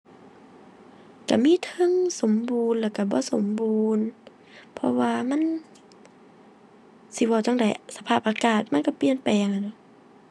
ก็มีเทิงสมบูรณ์แล้วก็บ่สมบูรณ์ เพราะว่ามัน สิเว้าจั่งใด สภาพอากาศมันก็เปลี่ยนแปลง